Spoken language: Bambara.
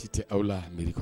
Ci tɛ aw la mairie kɔ